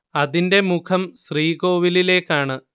അതിന്റെ മുഖം ശ്രീകോവിലിലേക്കാണ്